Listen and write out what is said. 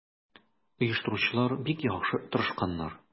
Оештыручылар бик яхшы тырышканнар.